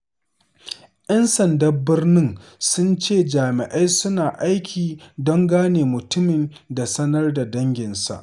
‘Yan sandan Birni sun ce jami’ai suna aiki don gane mutumin da sanar da danginsa.